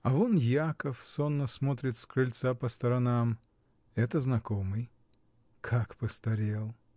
А вон Яков сонно смотрит с крыльца по сторонам. Это знакомый: как постарел!